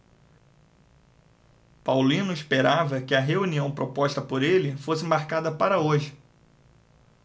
paulino esperava que a reunião proposta por ele fosse marcada para hoje